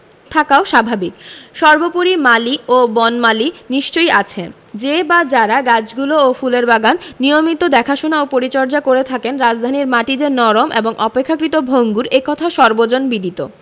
থাকাও স্বাভাবিক সর্বোপরি মালি ও বনমালী নিশ্চয়ই আছেন যে বা যারা গাছগুলো ও ফুলের বাগান নিয়মিত দেখাশোনা ও পরিচর্যা করে থাকেন রাজধানীর মাটি যে নরম এবং অপেক্ষাকৃত ভঙ্গুর এ কথা সর্বজনবিদিত